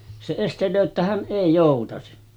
se estelee että hän ei joutaisi